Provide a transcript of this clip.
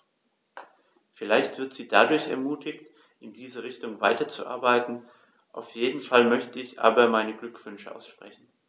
Vielleicht wird sie dadurch ermutigt, in diese Richtung weiterzuarbeiten, auf jeden Fall möchte ich ihr aber meine Glückwünsche aussprechen.